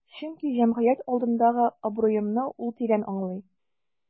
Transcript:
Чөнки җәмгыять алдындагы абруемны ул тирән аңлый.